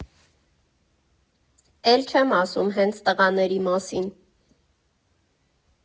֊ Էլ չեմ ասում հենց տղաների մասին.